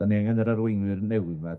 'Dan ni angen yr arweinwyr newydd ma.